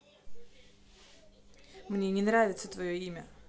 мне не нравится твое имя